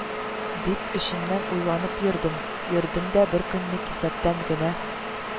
» дип, эчемнән уйланып йөрдем, йөрдем дә беркөнне кисәктән генә: